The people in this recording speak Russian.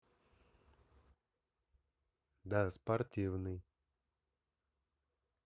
да спортивный